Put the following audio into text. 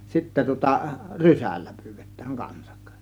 sitten tuota rysällä pyydetään kanssa